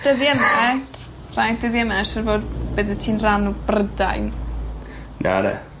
Dyddie 'ma reit dyddie 'ma siŵr o fod byddet ti'n ran o Brydain. Na 'de.